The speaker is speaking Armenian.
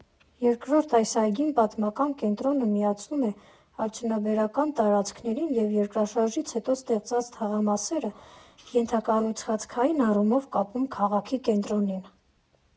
Երկրորդ՝ այս այգին պատմական կենտրոնը միացնում է արդյունաբերական տարածքներին և երկրաշարժից հետո ստեղծված թաղամասերը ենթակառուցվածքային առումով կապում քաղաքի կենտրոնին։